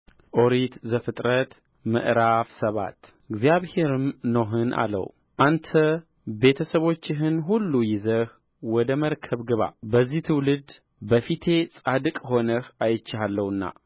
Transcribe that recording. ኦሪት ዘፍጥረት ምዕራፍ ሰባት እግዚአብሔርም ኖኅን አለው አንተ ቤተሰቦችህን ሁሉ ይዘህ ወደ መርከብ ግባ በዚህ ትውልድ በፊቴ ጻድቅ ሆነህ አይቼሃለሁና